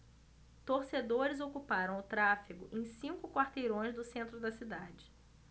torcedores ocuparam o tráfego em cinco quarteirões do centro da cidade